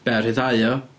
Be a rhyddhau o?